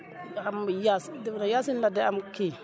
ba xam yaas defe naa yaasin la te am kii